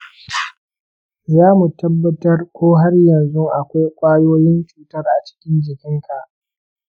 zamu tabbatar ko har yanzu akwai ƙwayoyin cutar a cikin jininka.